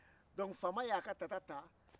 donc faama y'a ka tata ta